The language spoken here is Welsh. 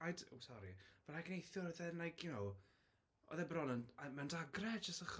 I'd- o sori, but like neithiwr oedd e'n like, you know, oedd e bron yn yy mewn dagrau, jyst achos...